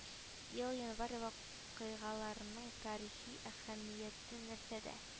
Ел январь вакыйгаларының тарихи әһәмияте нәрсәдә